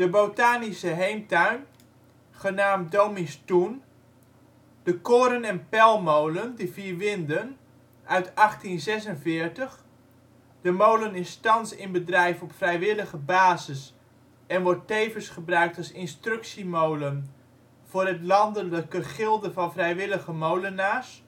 botanische heemtuin, genaamd Domies Toen. De koren - en pelmolen, De Vier Winden, uit 1846. De molen is thans in bedrijf op vrijwillige basis en wordt tevens gebruikt als instructiemolen voor het landelijke Gilde van Vrijwillige Molenaars